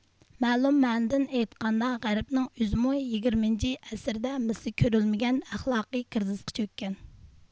مەلۇم مەنىدىن ئېيتقاندا غەربنىڭ ئۆزىمۇ يىگىرمىنچى ئەسىردە مىسلى كۆرۈلمىگەن ئەخلاقىي كرىزىسقا چۆككەن